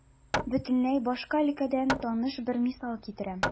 Бөтенләй башка өлкәдән таныш бер мисал китерәм.